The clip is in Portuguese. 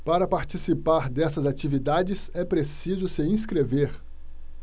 para participar dessas atividades é preciso se inscrever